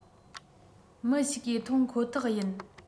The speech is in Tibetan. མི ཞིག གིས མཐོང ཁོ ཐག ཡིན